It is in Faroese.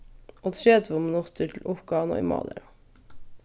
og tretivu minuttir til uppgávuna í mállæru